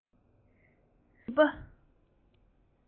སྦྱང རིག འཛོམས པའི བྱིས པ